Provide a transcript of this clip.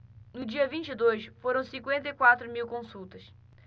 no dia vinte e dois foram cinquenta e quatro mil consultas